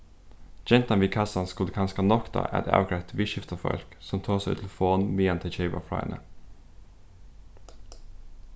gentan við kassan skuldi kanska noktað at avgreitt viðskiftafólk sum tosa í telefon meðan tey keypa frá henni